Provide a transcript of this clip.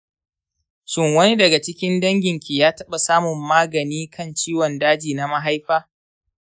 shin wani daga cikin danginki ya taɓa samun magani kan ciwon daji na mahaifa?